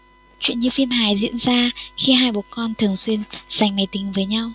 chuyện như phim hài diễn ra khi hai bố con thường xuyên giành máy tính với nhau